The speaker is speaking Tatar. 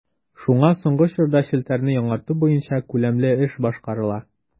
Шуңа соңгы чорда челтәрне яңарту буенча күләмле эш башкарыла.